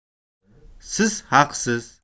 siz haqsiz